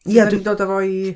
Ia, dwi'n dod â fo i...